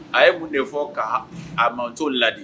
A ye mun de fɔ ka a mantow laadi